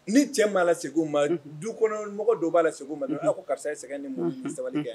Ni cɛ b'a la segu ma du kɔnɔ mɔgɔ dɔ b'a la segu ma n'a ko karisa ye sɛgɛn ni mɔgɔ sabali kɛ